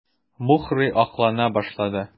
Мухрый аклана башлады.